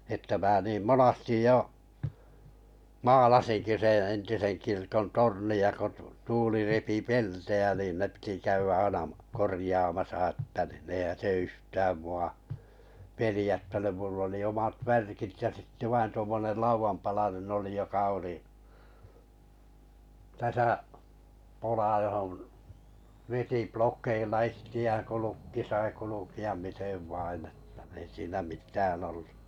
että minä niin monesti jo maalasinkin sen entisen kirkon tornia kun tuuli repi peltejä niin ne piti käydä aina korjaamassa että niin eihän se yhtään minua pelottanut minulla oli omat värkit ja sitten vain tuommoinen laudanpalanen oli joka oli tässä pola johon veti plokeilla itseään kun lukki sai kulkea miten vain että ei siinä mitään ollut